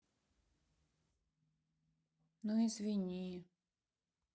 ну извини